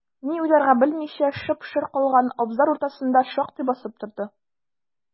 Ни уйларга белмичә, шып-шыр калган абзар уртасында шактый басып торды.